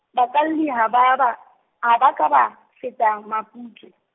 bakalli ha ba ba, ha ba ka ba, feta Maputswe.